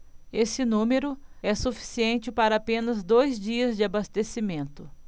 esse número é suficiente para apenas dois dias de abastecimento